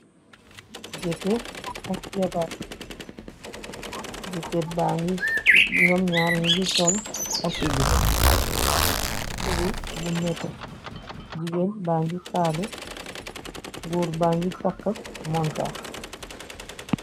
jkkeer jbar jkeer ba ngi ñoom ñar nigi sol asuli bu nete jigéen ba ngi kaalu ngóur ba ngi takka monta